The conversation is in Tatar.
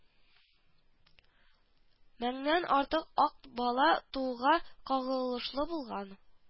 Меңнән артык акт бала тууга кагылышлы булган